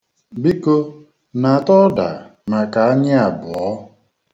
Biko, nata ọda maka anyị abụọ